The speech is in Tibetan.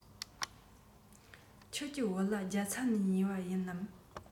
ཁྱེད ཀྱི བོད ལྭ རྒྱ ཚ ནས ཉོས པ ཡིན ནམ